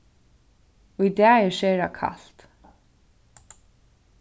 í dag er sera kalt